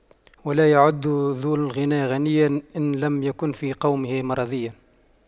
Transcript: ولا يعد ذو الغنى غنيا إن لم يكن في قومه مرضيا